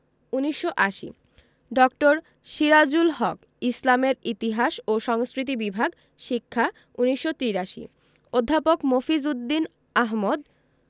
১৯৮০ ড. সিরাজুল হক ইসলামের ইতিহাস ও সংস্কৃতি বিভাগ শিক্ষা ১৯৮৩ অধ্যাপক মফিজ উদ দীন আহমদ